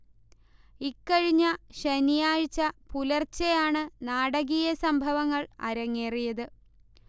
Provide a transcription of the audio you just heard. ഇക്കഴിഞ്ഞ ശനിയാഴ്ച പുലർച്ചയാണ് നാടകീയ സംഭവങ്ങൾ അരങ്ങറേിയത്